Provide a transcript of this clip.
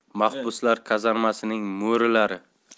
mahbuslar kazarmasining mo'rilari